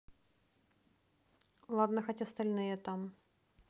ладно хоть остальные там